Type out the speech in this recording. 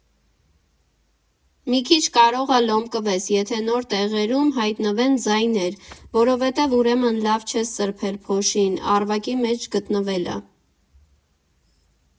Մի քիչ կարող ա լոմկվես, եթե նոր տեղերում հայտնվեն ձայներ, որովհետև ուրեմն լավ չես սրբել, փոշին առվակի մեջ գնդվել ա։